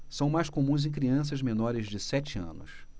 são mais comuns em crianças menores de sete anos